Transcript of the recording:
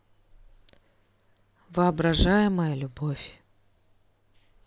воображаемая любовь